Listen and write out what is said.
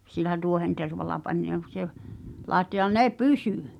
sillä tuohentervalla pani laittoi ja ne pysyi